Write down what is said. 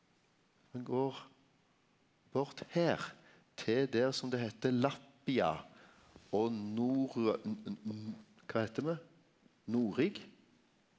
den går går til her til der som det heiter Lappia og kva heiter me ?